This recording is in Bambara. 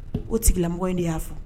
O sigilenlamɔgɔ in de y'a fɔ